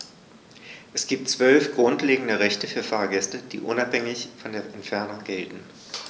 Es gibt 12 grundlegende Rechte für Fahrgäste, die unabhängig von der Entfernung gelten.